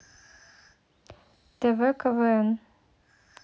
тв квн